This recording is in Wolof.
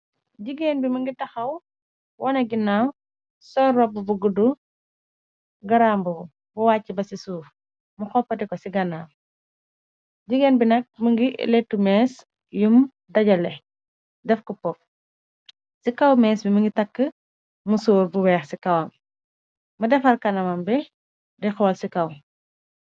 Jigéen bi mi ngi taxaw wone ganaaw, sol robbu bu guddu, garambubu bu wàcc ba ci suuf, mu xoppati ko ci ganaaw, jigeen bi nak më ngi lettu mees yum dajale def ko poff, ci kaw mees bi mi ngi tàkk musoor bu weex ci kawam, më defar kanamam be di xool ci kaw.